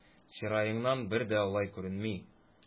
Чыраеңнан бер дә алай күренми!